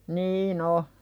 niin on